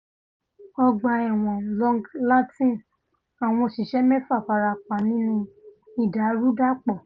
Ọgbà-ẹ̀wọ̀n Long Lartin: Àwọn òṣìṣẹ́ mẹ́fà farapa nínú ìdàrúdàpọ̀